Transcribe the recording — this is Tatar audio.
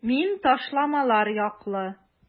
Мин ташламалар яклы.